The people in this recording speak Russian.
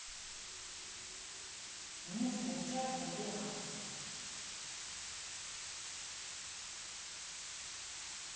немецкая овчарка леха